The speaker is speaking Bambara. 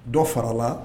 Dɔ farala